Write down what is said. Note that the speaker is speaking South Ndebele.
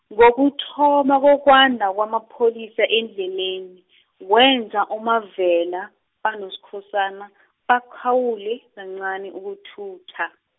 ngokuthoma kokwanda kwamapholisa endleleni , kwenza uMavela, banoSkhosana bakhawule, kancani ukuthutha.